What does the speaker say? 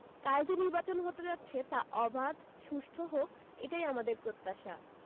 কাল যে নির্বাচন হতে যাচ্ছে তা অবাধ সুষ্ঠু হোক এটাই আমাদের প্রত্যাশা